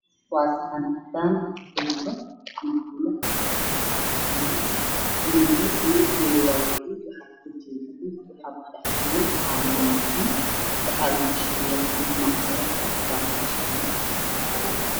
Waa saxan cadaan waxaa ku jirta canbuulo waxaa lagu shubayaa saliid macsaro qaado ayaa ku jirto saxaanka